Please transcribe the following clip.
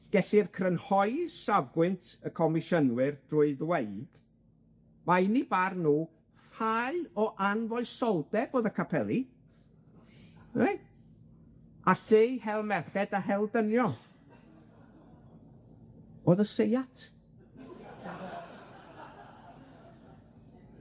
Gellir crynhoi safbwynt y Comisiynwyr drwy ddweud mai unig barn nw hau o anfoesoldeb oedd y capeli reit? A lle i hel merched a hel dynion o'dd y Seiat.